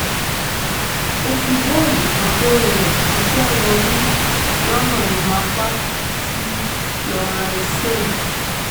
Ó fi bọ́ọ̀lù kan tó rẹwà ránṣ̵ẹ́ wọnú lọ́na igun apá sí Leroy Sane.